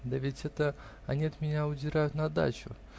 да веды они от меня удирают на дачу!